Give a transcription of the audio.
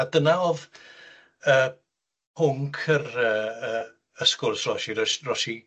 A dyna o'dd y pwnc yr yy yy y sgwrs ro's i roes ro's i